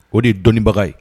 O de ye dɔnniibaga ye